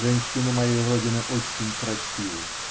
-- Женщины моей родины очень красивы.